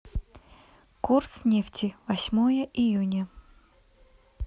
курс нефти восьмое июня